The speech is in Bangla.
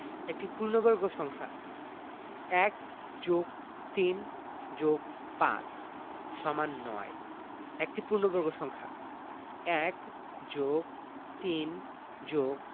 একটি পূর্ণবর্গ সংখ্যা ১+৩+৫=৯ একটি পূর্ণবর্গ সংখ্যা ১+৩+